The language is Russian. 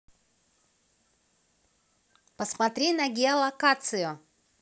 посмотри по геолокации